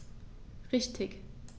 Richtig